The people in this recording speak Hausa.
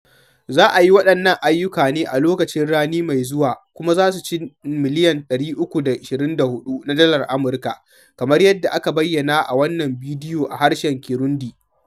Za a yi waɗannan ayyuka ne a lokacin rani mai zuwa, kuma za su ci miliyan 324 na dalar Amurka, kamar yadda aka bayyana a wannan bidiyo a harshen Kirundi.